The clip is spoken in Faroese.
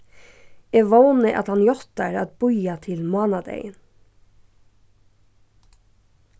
eg vóni at hann játtar at bíða til mánadagin